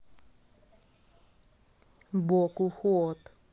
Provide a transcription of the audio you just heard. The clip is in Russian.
бог уход